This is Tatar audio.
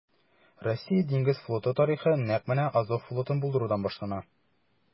Россия диңгез флоты тарихы нәкъ менә Азов флотын булдырудан башлана.